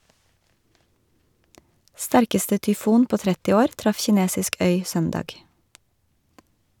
Sterkeste tyfon på 30 år traff kinesisk øy søndag.